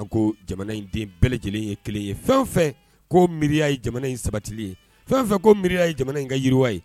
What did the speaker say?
Ko jamana in den bɛɛ lajɛlen ye kelen ye fɛn fɛn ko mi ye jamana in sabati ye fɛn fɛ ko mi ye jamana in ka yiriwa ye